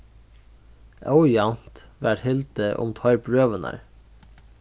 ójavnt varð hildið um teir brøðurnar